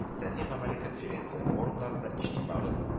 Фәнни-гамәли конференция, форумнарда, иҗтимагый